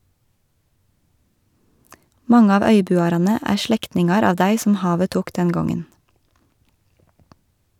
Mange av øybuarane er slektningar av dei som havet tok den gongen.